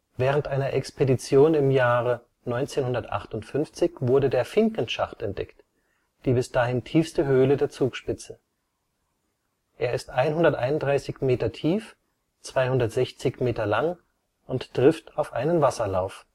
Während einer Expedition im Jahre 1958 wurde der Finkenschacht entdeckt, die bis dahin tiefste Höhle der Zugspitze. Er ist 131 m tief, 260 m lang und trifft auf einen Wasserlauf